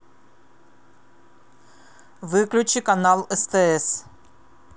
выключи канал стс